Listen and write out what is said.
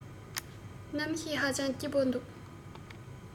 གནམ གཤིས ཧ ཅང སྐྱིད པོ འདུག